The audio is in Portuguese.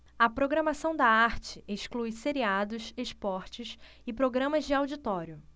a programação da arte exclui seriados esportes e programas de auditório